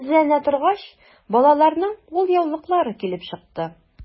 Эзләнә торгач, балаларның кулъяулыклары килеп чыкты.